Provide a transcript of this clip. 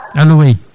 alo ouais